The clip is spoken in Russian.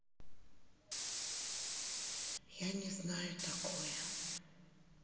я не знаю такое